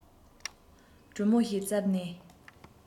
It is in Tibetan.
དྲོན མོ ཞིག བཙལ ནས